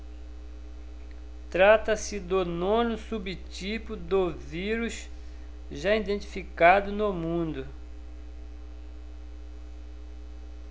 trata-se do nono subtipo do vírus já identificado no mundo